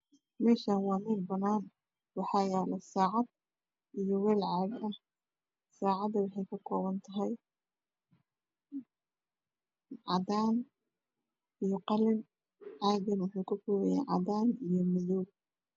Meeshaan waa meel banaan waxaa yaalo sacad iyo weel caag ah saacada waxay kaa kobantahay cadaan iyo qalim caagana waxuu ka koobanyahay cadaan madoow